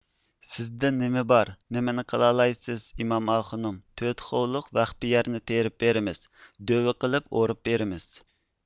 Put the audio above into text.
سىزدە نېمە بار نېمىنى قىلالايسىز ئىمامئاخۇنۇم تۆت خولۇق ۋەخپە يەرنى تېرىپ بېرىمىز دۆۋە قىلىپ ئورۇپ بېرىمىز